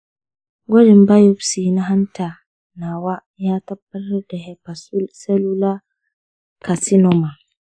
gwajin biopsy na hanta nawa ya tabbatar da hepatocellular carcinoma.